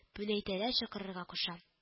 Пүнәтәйләр чакырырга куша